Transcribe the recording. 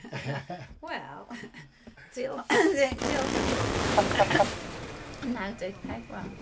Wel diol- diolch am gofyn. Naw deg pedwar.